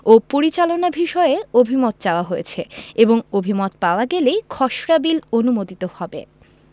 ও পরিচালনা বিষয়ে অভিমত চাওয়া হয়েছে এবং অভিমত পাওয়া গেলেই খসড়া বিল অনুমোদিত হবে